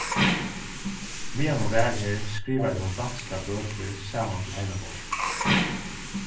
meðan hon var her skrivaði hon danskar bøkur saman til eina bók